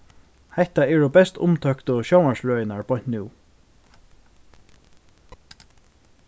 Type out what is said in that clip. hetta eru best umtóktu sjónvarpsrøðirnar beint nú